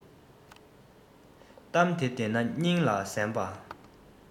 གཏམ དེ བདེན ན སྙིང ལ གཟན པ